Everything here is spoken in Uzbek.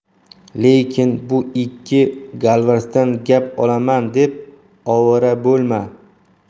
lekin bu ikki galvarsdan gap olaman deb ovora bo'lma